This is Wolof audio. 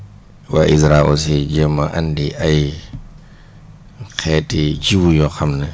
waa ISRA aussi jéem a andi ay xeeti jiwu yoo xam ne